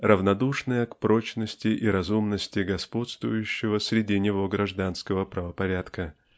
равнодушное к прочности и разумности господствующего среди него гражданского правопорядка.